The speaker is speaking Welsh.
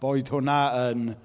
Boed hwnna yn...